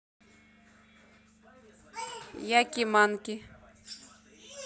якиманки